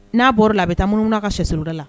N'a bɔra la a bɛ taa munun na ka sɛswda la